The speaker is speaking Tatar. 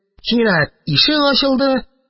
Кинәт ишек ачылды.